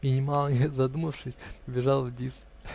-- и, нимало не задумавшись, побежал вниз.